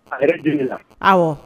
Hɛrɛ deli aw